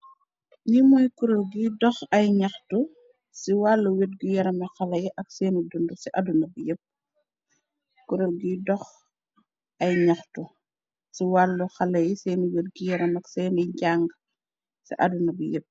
Lii mooy kureel giy dox ñaxtu si waalu wergu yaram i xalé ak seen dumdu si aduna bi yëëp. Lii mooy kureel giy dox ñaxtu si waalu wergu yaram i xalé ak seen dumdu si aduna bi yëëp.